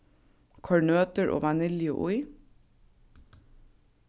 koyr nøtir og vanilju í